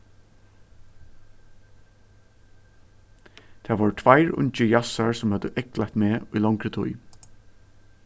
tað vóru tveir ungir jassar sum høvdu eygleitt meg í longri tíð